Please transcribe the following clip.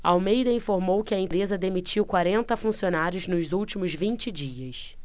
almeida informou que a empresa demitiu quarenta funcionários nos últimos vinte dias